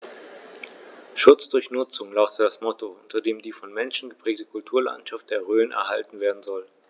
„Schutz durch Nutzung“ lautet das Motto, unter dem die vom Menschen geprägte Kulturlandschaft der Rhön erhalten werden soll.